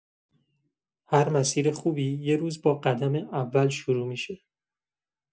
هر مسیر خوبی یه روز با قدم اول شروع می‌شه.